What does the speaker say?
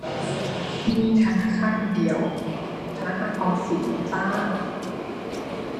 มีธนาคารเดียว ธนาคารออมสินจ้า